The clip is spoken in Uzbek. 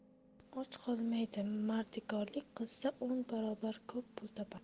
och qolmaydi mardikorlik qilsa o'n barobar ko'p pul topadi